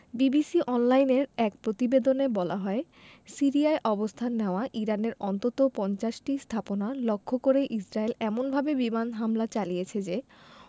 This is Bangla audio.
বিবিসি অনলাইনের এক প্রতিবেদনে বলা হয় সিরিয়ায় অবস্থান নেওয়া ইরানের অন্তত ৫০টি স্থাপনা লক্ষ্য করে ইসরায়েল এমনভাবে বিমান হামলা চালিয়েছে যে